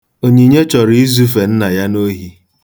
Onyinye chọrọ izufe nna ya n'ohi.